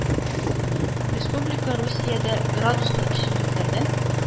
Республика русиядә градуслы эчемлекләрдән